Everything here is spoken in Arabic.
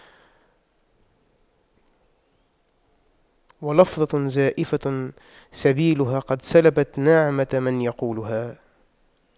ولفظة زائغة سبيلها قد سلبت نعمة من يقولها